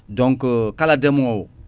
donc kala ndemowo